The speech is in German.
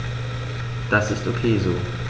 Das ist ok so.